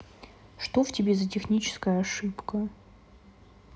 что в тебе за техническая ошибка